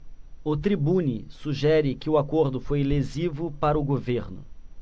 o tribune sugere que o acordo foi lesivo para o governo